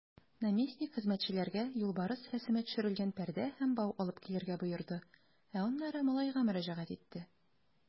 Наместник хезмәтчеләргә юлбарыс рәсеме төшерелгән пәрдә һәм бау алып килергә боерды, ә аннары малайга мөрәҗәгать итте.